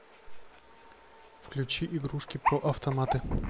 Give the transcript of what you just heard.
включи игрушки про автоматы